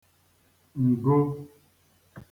ǹgụ